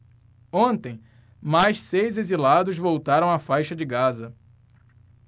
ontem mais seis exilados voltaram à faixa de gaza